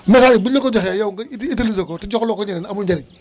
message bi bu ñu la ko joxee yow nga uti utilisé ko te joxuloo ko ñeneen amul njëriñ